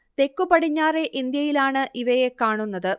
തെക്കു പടിഞ്ഞാറെ ഇന്ത്യയിലാണ് ഇവയെ കാണുന്നത്